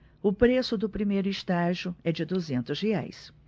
o preço do primeiro estágio é de duzentos reais